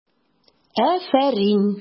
Афәрин!